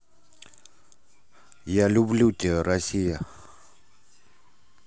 я люблю тебя россия